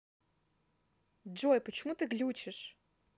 джой почему ты глючишь